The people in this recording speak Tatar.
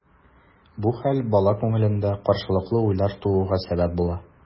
Бу хәл бала күңелендә каршылыклы уйлар тууга сәбәп була.